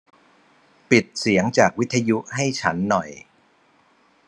ปิดเสียงจากวิทยุให้ฉันหน่อย